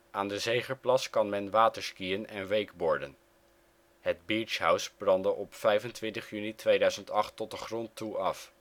Aan de Zegerplas kan men waterskiën en wakeboarden. Het beachhouse brandde 25 juni 2008 tot de grond toe af